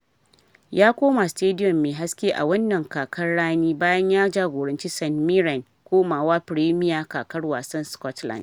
Ya koma Stadium mai Haske a wannan kakar rani bayan ya jagoranci St Mirren komawa fremiya kakar wasan Scotland.